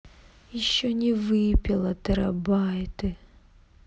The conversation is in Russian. еще не выпила терабайты